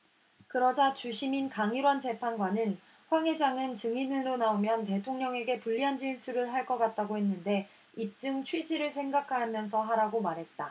그러자 주심인 강일원 재판관은 황 회장은 증인으로 나오면 대통령에게 불리한 진술을 할 것 같다고 했는데 입증 취지를 생각하면서 하라고 말했다